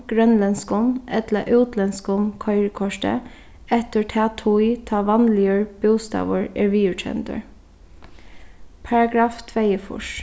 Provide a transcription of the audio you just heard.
grønlendskum ella útlendskum koyrikorti eftir ta tíð tá vanligur bústaður er viðurkendur paragraff tveyogfýrs